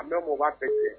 An bɛ mun b' fɛ i ye